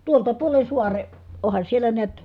tuolta puolen saaren onhan siellä näet